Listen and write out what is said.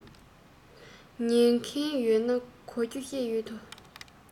ཉན མཁན ཡོད ན གོ རྒྱུ བཤད ཡོད དོ